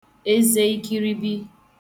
eze ikiribi